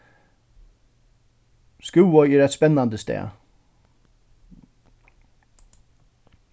skúvoy er eitt spennandi stað